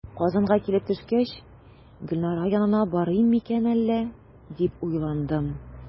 Казанга килеп төшкәч, "Гөлнара янына барыйм микән әллә?", дип уйландым.